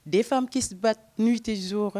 Deux femme qui se battent nuit et jour